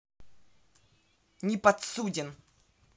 неподсуден